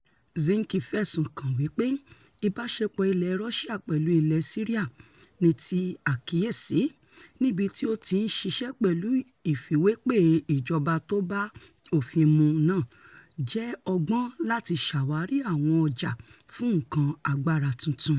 Zinke fẹ̀sùn kàn wí pé ìbáṣepọ̀ ilẹ̀ Rọ́síà pẹ̀lú ilẹ̀ Síríà - níti àkíyèsi, níbití ó ti ńṣiṣẹ́ pẹ̀lù ìfìwépe ìjọba tóbá òfin mu náà - jẹ́ ọgbọń láti ṣáwàrí àwọn ọjà fún nǹkan agbára tuntun.